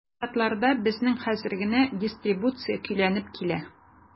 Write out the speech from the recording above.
Штатларда безнең хәзер генә дистрибуция көйләнеп килә.